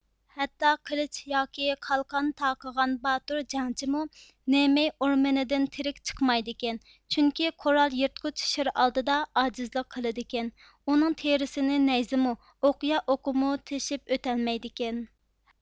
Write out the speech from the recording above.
ھەتتا قىلىچ ياكى قالقان تاقىغان باتۇر جەڭچىمۇ نېمېي ئورمىنىدىن تىرىك چىقمايدىكەن چۈنكى قورال يىرتقۇچ شىر ئالدىدا ئاجىزلىق قىلىدىكەن ئۇنىڭ تېرىسىنى نەيزىمۇ ئوقيا ئوقىمۇ تېشىپ ئۆتەلمەيدىكەن